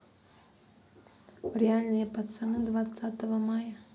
реальные пацаны двенадцатого мая